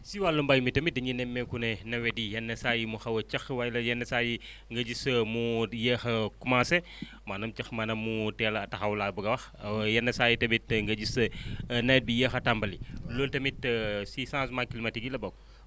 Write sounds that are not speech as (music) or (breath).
si wàllu mbéy mi tamit dañuy nemmeeku ne nawet yi yenn saa yi mu xaw a * waaye yenn saa yi (breath) nga gis mu yéex a commencé (breath) maanaam cax maanaam mu teel a taxaw laa bëgg a wax (hesitation) yenn saa yi tamit nga gis (breath) nawet bi yéex a tàmbali loolu tamit (hesitation) si changement climatique yi la bokk